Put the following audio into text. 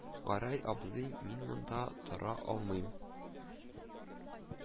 – гәрәй абзый, мин монда тора алмыйм